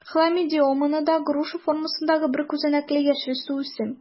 Хламидомонада - груша формасындагы бер күзәнәкле яшел суүсем.